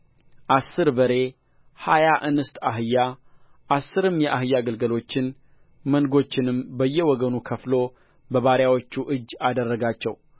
አሥር በሬ ሀያ እንስት አህያ አሥርም የእህያ ግልገሎችን መንጎቹን በየወገኑ ከፍሎ በባሪያዎቹ እጅ አደረጋቸው